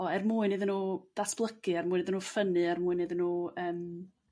o er mwyn iddyn nhw datblygu er mwyn iddyn nhw ffynnu er mwyn iddyn nhw yrm